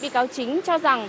bị cáo chính cho rằng